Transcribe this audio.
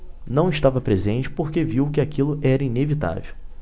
não estava presente porque viu que aquilo era inevitável